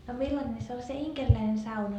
no millainen se oli se inkeriläinen sauna